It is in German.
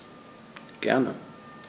Gerne.